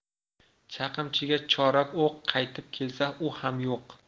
chaqimchiga chorak o'q qaytib kelsa u ham yo'q